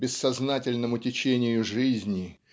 бессознательному течению жизни